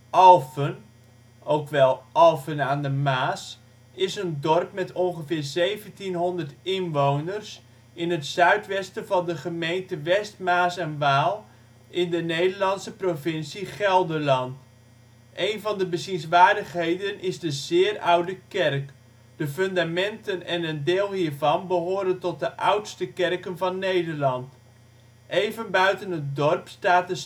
Alphen (ook: Alphen aan de Maas) is een dorp met ongeveer 1700 inwoners in het zuidwesten van de gemeente West Maas en Waal in de Nederlandse provincie Gelderland. Een van de bezienswaardigheden is de zeer oude kerk. De fundamenten en een deel hiervan behoren tot de oudste kerken van Nederland. Even buiten het dorp staat de standerdmolen